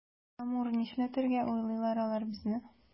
Амур, нишләтергә уйлыйлар алар безне?